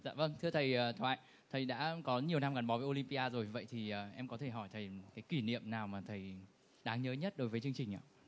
dạ vâng thưa thầy à thoại thầy đã có nhiều năm gắn bó với ô lim pi a rồi vậy thì em có thể hỏi thầy cái kỷ niệm nào mà thầy đáng nhớ nhất đối với chương trình